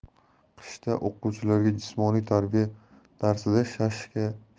qishda o'quvchilarga jismoniy tarbiya darsida shashka